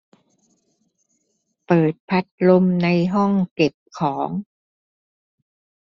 เปิดพัดลมในห้องเก็บของ